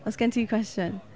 Oes gen ti cwestiwn?